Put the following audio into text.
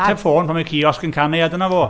Ateb ffôn pan ma' ciosg yn canu a dyna fo.